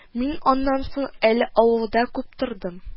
Мин аннан соң әле авылда күп тордым